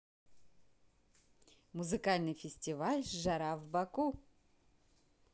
музыкальный фестиваль жара в баку